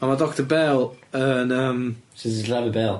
A ma' Doctor Behl yn yym... Sut ti'n sillafu Behl?